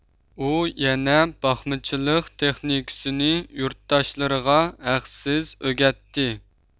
ئۇ يەنە باقمىچىلىق تېخنىكىسىنى يۇرتداشلىرىغا ھەقسىز ئۆگەتتى